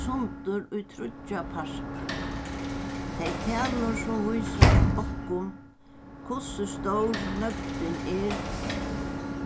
sundur í tríggjar partar tey talorð sum vísa okkum hvussu stór nøgdin er